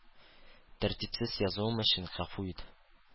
Тәртипсез язуым өчен гафу ит.